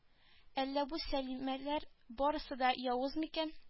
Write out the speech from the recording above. Әллә бу сәлимәләр барысы да явыз микән